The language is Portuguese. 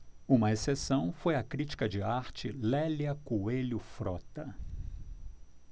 uma exceção foi a crítica de arte lélia coelho frota